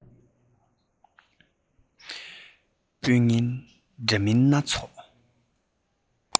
སྤྱོད ངན འདྲ མིན སྣ ཚོགས